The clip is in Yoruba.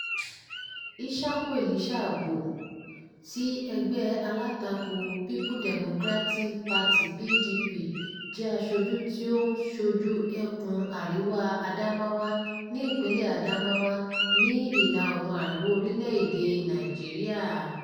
Ishaku Elisha Abbo ti ẹgbẹ́ alátakò People's Democratic Party (PDP) jẹ́ aṣojú tí ó ń ṣojú Ẹkùn-un Àríwá Adamawa ní Ìpínlẹ̀ Adamawa, ní ìlà-oòrùn àríwá orílẹ̀ èdèe Nàìjíríà.